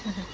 hum